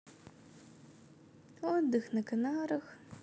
отдых на канарах